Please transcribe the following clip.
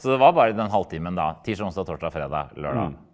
så det var bare den halvtimen da tirsdag, onsdag, torsdag, fredag, lørdag.